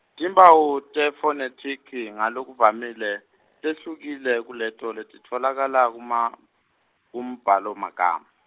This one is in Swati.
timphawu tefonethiki ngalokuvamile, tehlukile kuleto letitfolakala kuma, kumbhalomagama.